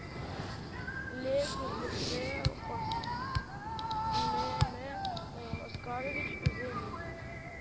Ле, күзлекле каськ мееме оскарович үзе ни